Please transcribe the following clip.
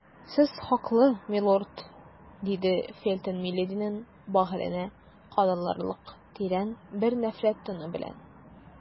Сез хаклы, милорд, - диде Фельтон милединың бәгыренә кадалырлык тирән бер нәфрәт тоны белән.